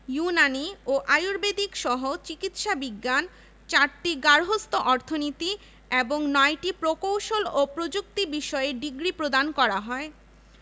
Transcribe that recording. ইতিহাসবিদ রমেশচন্দ্র মজুমদার ড. মুহাম্মদ শহীদুল্লাহ মোঃ আবদুল হাই মুনির চৌধুরী জ্যোতির্ময় গুহঠাকুরতা